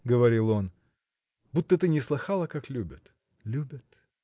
– говорил он, – будто ты не слыхала, как любят!. – Любят!